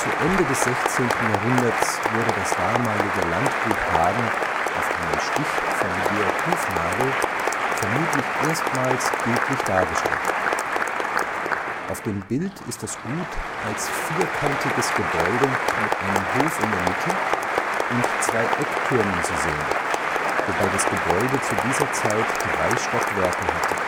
Ende des 16. Jahrhunderts wurde das damalige Landgut Hagen auf einem Stich von Georg Hufnagel vermutlich erstmals bildlich dargestellt. Auf dem Bild ist das Gut als vierkantiges Gebäude mit einem Hof in der Mitte und zwei Ecktürmen zu sehen, wobei das Gebäude zu dieser Zeit drei Stockwerke hatte